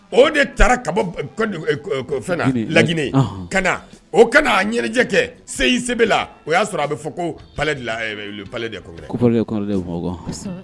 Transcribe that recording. O de taara ka bɔ laginɛ ka na o kana ɲɛnajɛɛnɛ kɛ seyi la o y'a sɔrɔ a bɛ fɔ kole